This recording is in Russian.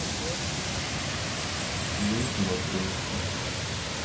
жизнь матрешки